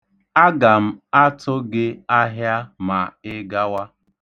Aga m atụ gị ahịa ma ị gawa.